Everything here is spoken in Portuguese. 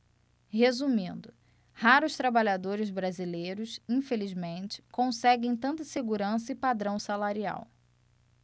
resumindo raros trabalhadores brasileiros infelizmente conseguem tanta segurança e padrão salarial